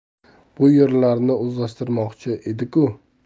bu yerlarni o'zlashtirmoqchi edi ku